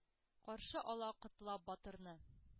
Каршы ала котлап батырны